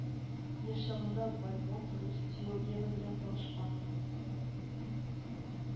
Яшь чагында Бальмонт рус Диогены белән танышкан